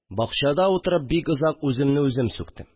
Бакчада утырып, бик озак үземне үзем сүктем